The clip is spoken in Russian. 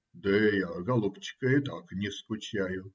- Да я, голубчик, и так не скучаю.